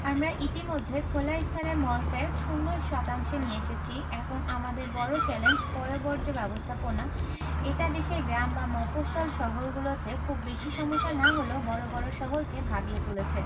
আমরা ইতিমধ্যে খোলা স্থানে মলত্যাগ শূন্য শতাংশে নিয়ে এসেছি এখন আমাদের বড় চ্যালেঞ্জ পয়ঃবর্জ্য ব্যবস্থাপনা এটা দেশের গ্রাম বা মফস্বল শহরগুলোতে খুব বেশি সমস্যা না হলেও বড় বড় শহরকে ভাবিয়ে তুলেছে